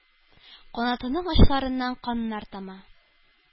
Канатының очларыннан каннар тама,